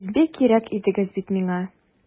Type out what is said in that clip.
Сез бик кирәк идегез бит миңа!